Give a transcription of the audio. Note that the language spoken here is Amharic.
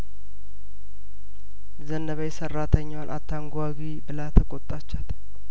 ዘነበች ሰራተኛዋን አታንጓጉ ብላ ተቆጣቻት